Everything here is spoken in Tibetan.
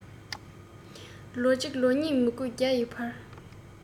ལོ གཅིག ལོ གཉིས མི དགོས བརྒྱ ཡི བར